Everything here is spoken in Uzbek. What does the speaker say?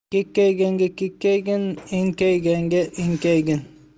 kekkayganga kekaygin enkayganga enkaygin